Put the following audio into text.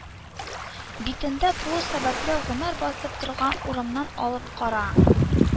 Битендә булу сәбәпле, гомәр басып торган урамнан алып кара